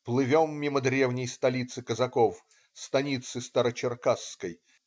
Плывем мимо древней столицы казаков - станицы Старо-Черкасской.